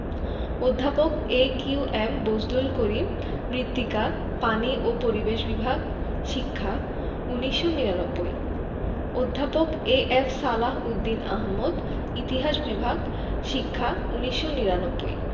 অধ্যাপক A Q M Bazlul Karim মৃত্তিকা পানি ও পরিবেশ বিভাগ শিক্ষা ১৯৯৯ অধ্যাপক এ.এফ সালাহ উদ্দিন আহমদ ইতিহাস বিভাগ শিক্ষা ১৯৯৯